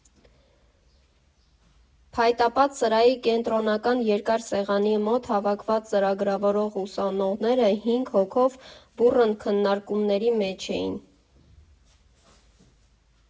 Փայտապատ սրահի կենտրոնական՝ երկար սեղանի մոտ հավաքված ծրագրավորող ուսանողները հինգ հոգով բուռն քննարկումների մեջ էին։